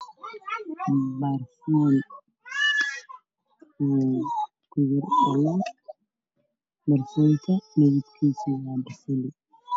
Meeshaan waa meel mushqul ah waxaana yaalo qalabka musqusha